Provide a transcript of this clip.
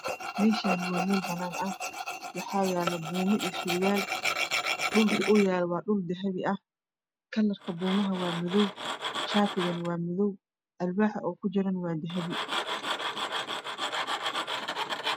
Meshan waa mel banan ah waxayalo bumo io sarwal dhulka oow yalo waa dahbi bumod waa madow shatiga waa madow alwaxa ow kujoro waa dahbi